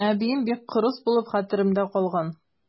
Әбием бик кырыс булып хәтеремдә калган.